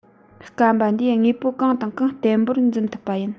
སྐམ པ འདིས དངོས པོ གང དང གང བརྟན པོར འཛིན ཐུབ པ ཡིན